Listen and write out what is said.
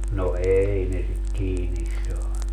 no ei ne sitä kiinni saanut